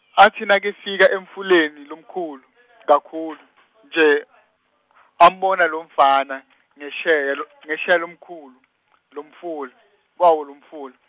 atsi nakefika emfuleni longamkhulu kakhulu nje, ambone lomfana , ngesheya l-, ngesheya lomkulu-, lomful- -fa lomfula.